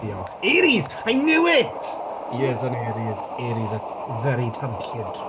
Diolch. Aries! I knew it! He is an aries aries are very tanllyd.